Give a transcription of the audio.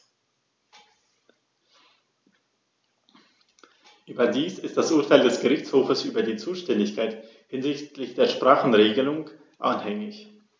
Überdies ist das Urteil des Gerichtshofes über die Zuständigkeit hinsichtlich der Sprachenregelung anhängig.